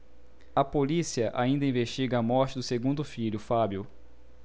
a polícia ainda investiga a morte do segundo filho fábio